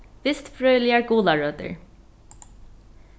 vistfrøðiligar gularøtur